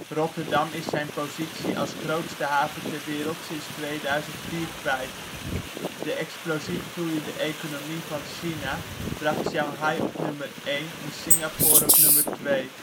Rotterdam is zijn positie als grootste haven ter wereld sinds 2004 kwijt. De explosief groeiende economie van China bracht Sjanghai op nummer één en Singapore op nummer twee